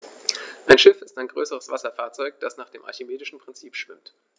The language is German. Ein Schiff ist ein größeres Wasserfahrzeug, das nach dem archimedischen Prinzip schwimmt.